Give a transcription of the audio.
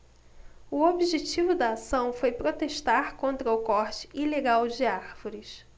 o objetivo da ação foi protestar contra o corte ilegal de árvores